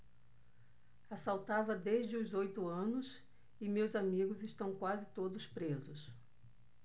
assaltava desde os oito anos e meus amigos estão quase todos presos